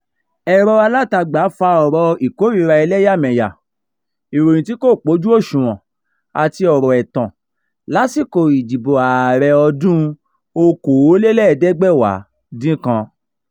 Ẹ̀rọ alátagbà fa ọ̀rọ̀ ìkórìíra ẹlẹ́yàmẹ́lẹ́yá, ìròyìn tí kò pójú òṣùwọ̀n àti ọ̀rọ̀ ẹ̀tàn lásìkò ìdìbò ààrẹ ọdún-un 2019